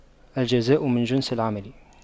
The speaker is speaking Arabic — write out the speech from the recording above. الجزاء من جنس العمل